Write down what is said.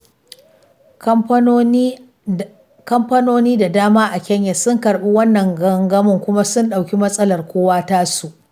Kamfanoni da dama a Kenya sun karɓi wannan gangamin kuma sun ɗauki matsalar kowa tasu.